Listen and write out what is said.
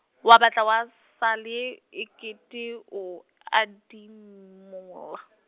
wa batla wa sale, e kete o adimola .